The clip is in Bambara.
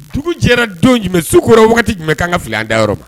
Dugu jɛra don jumɛn ?su kola waati jumɛn ? k'a ka ffili an da yɔrɔ ma!